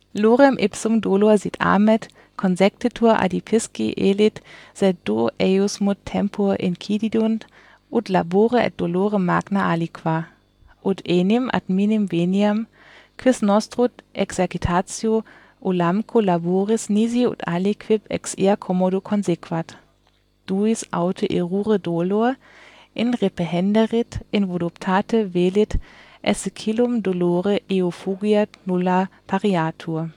Lorem ipsum dolor sit amet, consectetur adipisicing elit, sed do eiusmod tempor incididunt ut labore et dolore magna aliqua. Ut enim ad minim veniam, quis nostrud exercitation ullamco laboris nisi ut aliquip ex ea commodo consequat. Duis aute irure dolor in reprehenderit in voluptate velit esse cillum dolore eu fugiat nulla pariatur